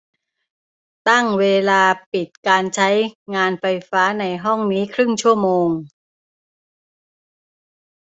ตั้งเวลาปิดการใช้งานไฟฟ้าในห้องนี้ครึ่งชั่วโมง